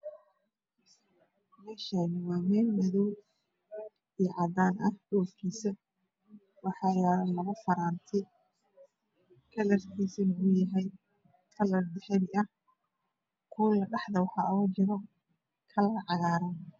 Mashan waa mel madow ah labo farati otahabi ah